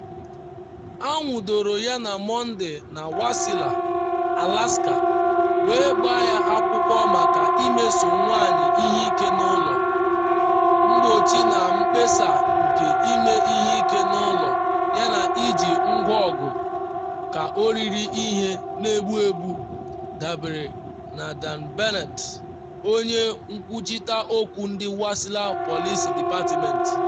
Anwudoro ya na Mọnde na Wasilla, Alaska, wee gbaa ya akwụkwọ maka imeso nwanyị ihe ike n’ụlọ, mgbochi na mkpesa nke ime ihe ike n’ụlọ yana iji ngwa ọgụ ka oriri ihe na-egbu egbu, dabere na Dan Bennett, onye nkwuchite okwu ndị Wasilla Police Department.